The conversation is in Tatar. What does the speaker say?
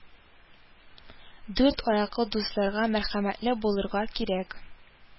Дүрт аяклы дусларга мəрхəмəтле булырга кирəк,